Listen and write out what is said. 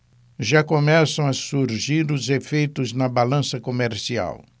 já começam a surgir os efeitos na balança comercial